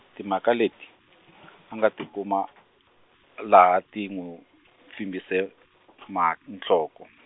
timhaka leti , a nga ti kuma, la a ti nw-, pfimbise , ma- nhloko.